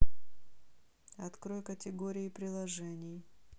открой категории приложений